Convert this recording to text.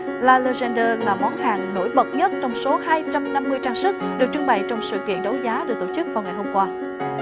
la lây dơ đơ là món hàng nổi bật nhất trong số hai trăm năm mươi trang sức được trưng bày trong sự kiện đấu giá được tổ chức vào ngày hôm qua